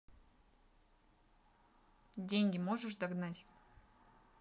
деньги можешь догнать